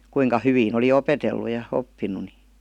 kuinka hyvin oli opetellut ja oppinut niin